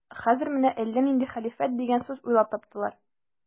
Хәзер менә әллә нинди хәлифәт дигән сүз уйлап таптылар.